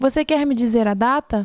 você quer me dizer a data